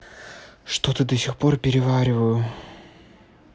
что до сих пор перевариваю